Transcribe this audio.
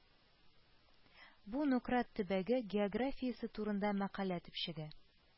Бу Нократ төбәге географиясе турында мәкалә төпчеге